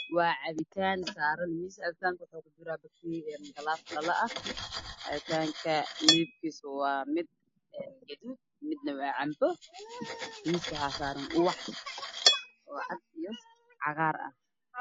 Waa miis waxaa saaran cabitaan ku jiraan dhalo midabkiisa cabitaanka waa guduud jaalo